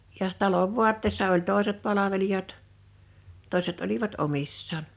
ja talon vaatteessa oli toiset palvelijat toiset olivat omissaan